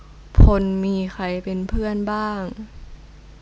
พลมีใครเป็นเพื่อนบ้าง